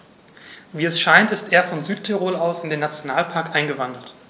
Wie es scheint, ist er von Südtirol aus in den Nationalpark eingewandert.